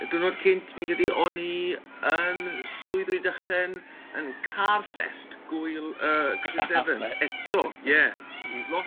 y diwrnod cynt fi'n credu o'n i yn swydd Rhydychen yn Car Fest gwyl yy Chris Evans eto ie lot